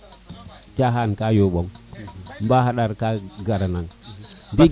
caxan ka yoɓong mbaxandar ka gara nang